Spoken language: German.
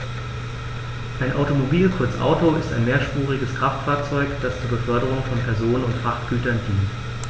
Ein Automobil, kurz Auto, ist ein mehrspuriges Kraftfahrzeug, das zur Beförderung von Personen und Frachtgütern dient.